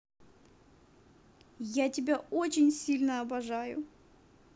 я тебя очень сильно обожаю